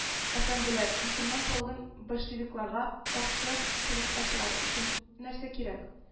- әфәнделәр!., мөселман полыгын большевикларга каршы сугышка чыгарыр ечен нәрсә кирәк